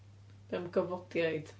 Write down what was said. be am gofodiaid?.